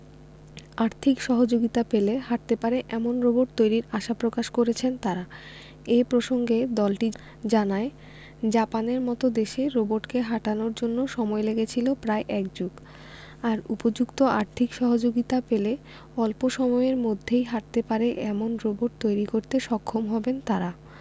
আর্থিক সহযোগিতা পেলে হাটতে পারে এমন রোবট তৈরির আশা প্রকাশ করেছেন তারা এ প্রসঙ্গে দলটি জানায় জাপানের মতো দেশে রোবটকে হাঁটানোর জন্য সময় লেগেছিল প্রায় এক যুগ আর উপযুক্ত আর্থিক সহযোগিতা পেলে অল্প সময়ের মধ্যেই হাঁটতে পারে এমন রোবট তৈরি করতে সক্ষম হবেন তারা